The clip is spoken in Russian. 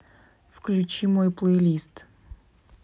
включить мой плейлист